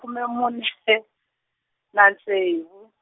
khume mune na ntsevu.